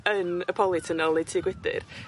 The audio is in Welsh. yn y pollytunnel neu tŷ gwydyr